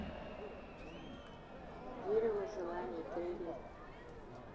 дерево желаний трейлер